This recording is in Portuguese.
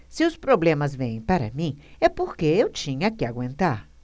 se os problemas vêm para mim é porque eu tinha que aguentar